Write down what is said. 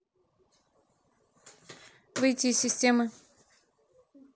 выйти из системы